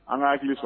An ka hakili sɔrɔ